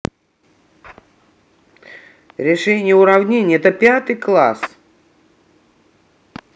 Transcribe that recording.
решение уравнений пятый класс